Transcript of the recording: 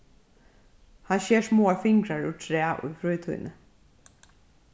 hann sker smáar fingrar úr træ í frítíðini